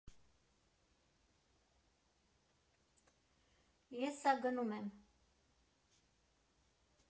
Ես սա գնում եմ։